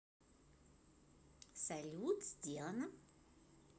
салют сделано